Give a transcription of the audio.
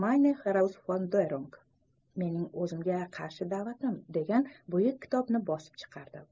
mayne xerausforderung mening o'zimga qarshi da'vatim degan buyuk kitobni bosib chiqardi